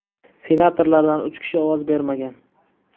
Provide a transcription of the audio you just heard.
senatorlardan uch kishi ovoz bermagan